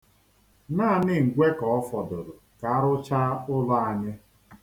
Naanị ngwe ka ọ fọdụrụ ka a rụchaa ụlọ anyị.